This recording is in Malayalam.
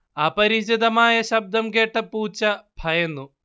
അപരിചിതമായ ശബ്ദം കേട്ട പൂച്ച ഭയന്നു